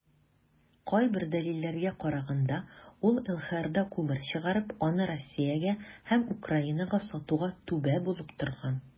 Кайбер дәлилләргә караганда, ул ЛХРда күмер чыгарып, аны Россиягә һәм Украинага сатуга "түбә" булып торган.